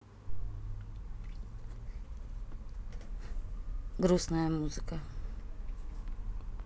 грустная музыка